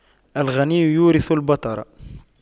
الغنى يورث البطر